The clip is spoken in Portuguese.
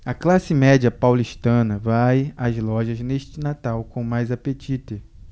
a classe média paulistana vai às lojas neste natal com mais apetite